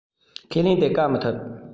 ཁས ལེན དེ བཀག མི ཐུབ